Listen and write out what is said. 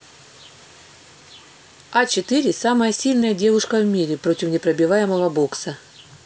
а четыре самая сильная девушка в мире против непробиваемого бокса